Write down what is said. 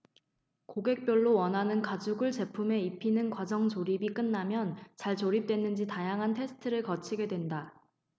고객별로 원하는 가죽을 제품에 입히는 과정 조립이 끝나면 잘 조립 됐는지 다양한 테스트를 거치게 된다